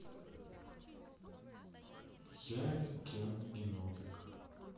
ярик кент и нубик